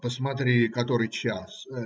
- Посмотри, который час.